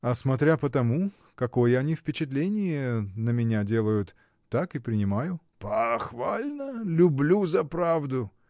— А смотря по тому, какое они впечатление на меня делают, так и принимаю! — Похвально! Люблю за правду!